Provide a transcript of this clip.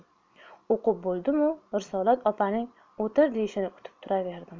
o'qib bo'ldimu risolat opaning o'tir deyishini kutib turaverdim